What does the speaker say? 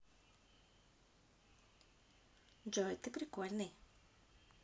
джой ты прикольный